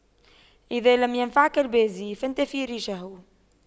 إذا لم ينفعك البازي فانتف ريشه